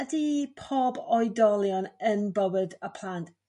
ydi pob oedolion yn bywyd y plant